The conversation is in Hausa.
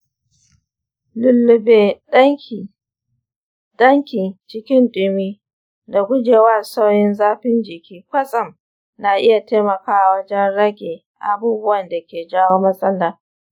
lullube danki cikin ɗumi da guje wa sauyin zafin jiki kwatsam na iya taimakawa wajen rage abubuwan da ke jawo matsalar.